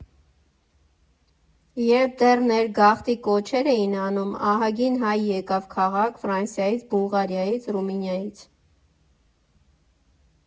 Երբ դեռ ներգաղթի կոչեր էին անում, ահագին հայ եկավ քաղաք Ֆրանսիայից, Բուլղարիայից, Ռումինիայից։